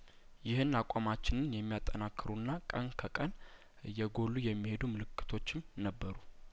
ይህን አቋማችንን የሚያጠናክሩና ቀን ከቀን እየጐሉ የሚሄዱ ምልክቶችም ነበሩ